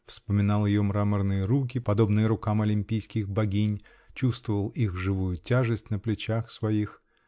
вспоминал ее мраморные руки, подобные рукам олимпийских богинь, чувствовал их живую тяжесть на плечах своих.